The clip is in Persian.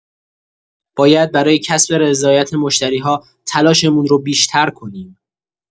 باید برای کسب رضایت مشتری‌ها تلاشمون رو بیشتر کنیم.